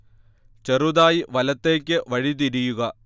ചെറുതായി വലതേക്ക് വഴിതിരിയുക